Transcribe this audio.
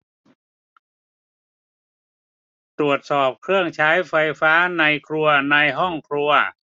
ตรวจสอบเครื่องใช้ไฟฟ้าในครัวในห้องครัว